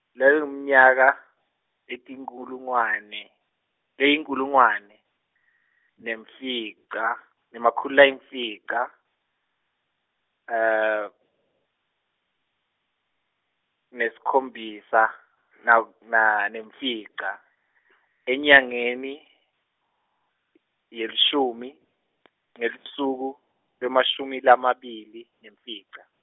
loyi ngumnyaka, lotinkhulungwane-, leyinkhulungwane, nemfica, nemakhulu layimfica, nesikhombisa nak-, na, nemfica , enyangeni, yelishumi, ngelusuku, lemashumi lamabili, nemfica.